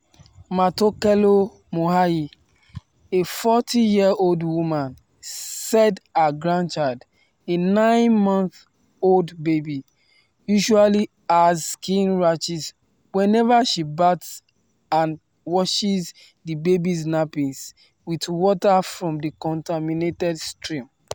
Matokelo Moahi, a 40-year-old woman, said her grandchild, a nine-month-old baby, usually has skin rashes whenever she bathes and washes the baby's nappies with water from the contaminated stream.